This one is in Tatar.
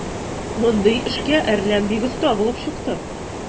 Мондый эшкә "Әрлән" бик оста булып чыкты.